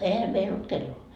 eihän meillä ollut kelloa